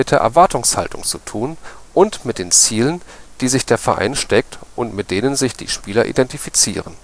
Erwartungshaltung zu tun und mit den Zielen, die sich der Verein steckt, und mit denen sich die Spieler identifizieren